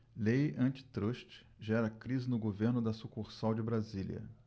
lei antitruste gera crise no governo da sucursal de brasília